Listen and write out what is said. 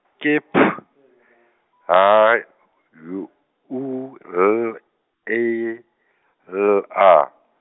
ke P H U U L E L A.